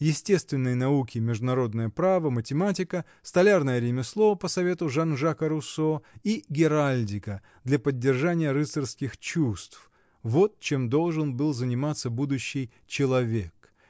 естественные науки, международное право, математика, столярное ремесло, по совету Жан-Жака Руссо, и геральдика, для поддержания рыцарских чувств, -- вот чем должен был заниматься будущий "человек"